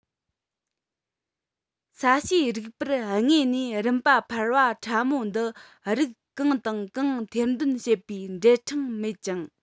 ས གཤིས རིག པར དངོས གནས རིམ པ འཕར པ ཕྲ མོ འདི རིགས གང དང གང ཐེར འདོན བྱེད པའི འབྲེལ ཕྲེང མེད ཅིང